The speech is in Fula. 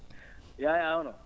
Yaya hono